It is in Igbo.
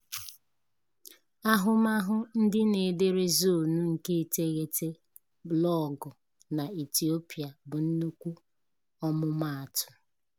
Ahụmahụ ndị na-edere Zone9 blọọgụ na Ethiopia bụ nnukwu ọmụmaatụ.